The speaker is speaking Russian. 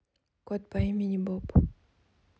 кот по имени боб